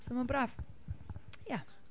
So mae'n braf. Ia.